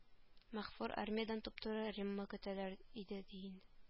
Мәгфур армиядән туп-туры римма көтәләр иде диен